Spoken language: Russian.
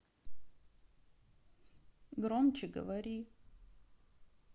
громче говори